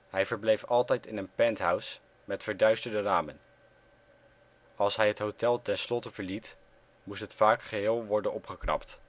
Hij verbleef altijd in een penthouse met verduisterde ramen. Als hij het hotel ten slotte verliet moest het vaak geheel worden opgeknapt